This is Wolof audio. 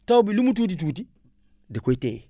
taw bi lu mu tuuti tuuti da koy téye